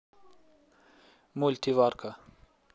мультиварика